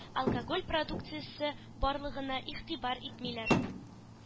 Алкоголь продукциясе барлыгына игътибар итмиләр,